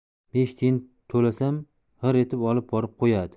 besh tiyin to'lasam g'irr etib olib borib qo'yadi